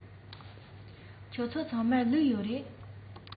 ཁྱེད ཚོ ཚང མར ལུག ཡོད རེད